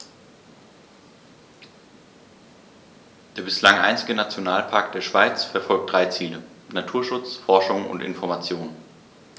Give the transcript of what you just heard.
Der bislang einzige Nationalpark der Schweiz verfolgt drei Ziele: Naturschutz, Forschung und Information.